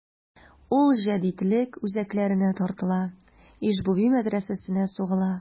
Ул җәдитлек үзәкләренә тартыла: Иж-буби мәдрәсәсенә сугыла.